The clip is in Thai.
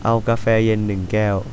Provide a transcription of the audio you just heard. เอากาแฟเย็นหนึ่งแก้ว